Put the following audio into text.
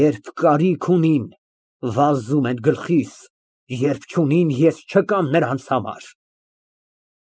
Երբ կարիք ունին, վազում են գալիս, երբ չունին ֊ ես չկամ նրանց համար։